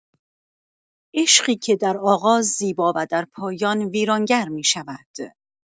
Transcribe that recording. عشقی که در آغاز زیبا و در پایان ویرانگر می‌شود.